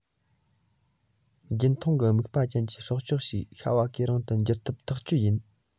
རྒྱུན མཐོང གི རྨིག པ ཅན གྱི སྲོག ཆགས ཤིག ཤྭ བ སྐེ རིང དུ འགྱུར ཐུབ ཐག ཆོད ཡིན